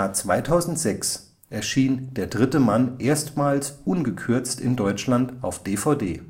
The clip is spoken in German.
2006 erschien Der dritte Mann erstmals ungekürzt in Deutschland auf DVD